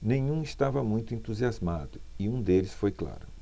nenhum estava muito entusiasmado e um deles foi claro